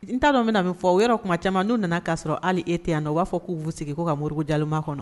N'a dɔn bɛna na min fɔ o yɔrɔ o tuma caman' nana'a sɔrɔ ali e tɛ yan na u b'a fɔ k'u'u sigi k' ka mori jama kɔnɔ